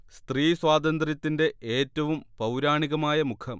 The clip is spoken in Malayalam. സ്ത്രീ സ്വാതന്ത്ര്യത്തിന്റെ ഏറ്റവും പൗരാണികമായ മുഖം